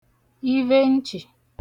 ivhe nchị̀